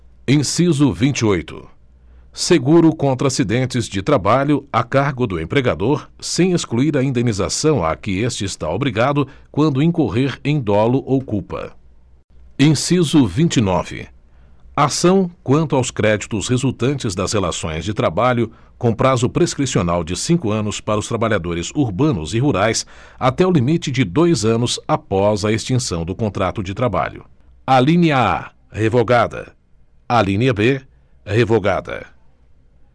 inciso vinte e oito seguro contra acidentes de trabalho a cargo do empregador sem excluir a indenização a que este está obrigado quando incorrer em dolo ou culpa inciso vinte e nove ação quanto aos créditos resultantes das relações de trabalho com prazo prescricional de cinco anos para os trabalhadores urbanos e rurais até o limite de dois anos após a extinção do contrato de trabalho alínea a revogada alínea b revogada